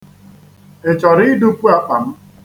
Ị chọrọ ịdụpu akpa m.